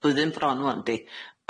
blwyddyn bron ŵan 'di